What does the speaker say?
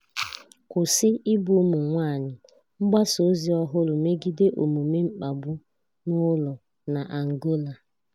Kwụsị igbu ụmụ nwaanyị' — mgbasa ozi ọhụrụ megide omume mkpagbu n'ụlọ na Angola